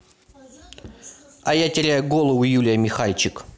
а я теряю голову юлия михальчик